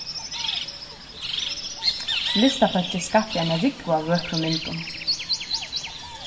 listafólkið skapti eina rúgvu av vøkrum myndum